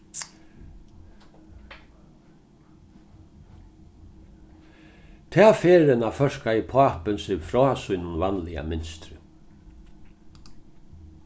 ta ferðina førkaði pápin seg frá sínum vanliga mynstri